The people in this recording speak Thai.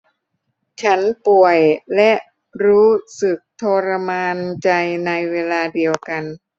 ฉันป่วยและรู้สึกทรมานใจในเวลาเดียวกัน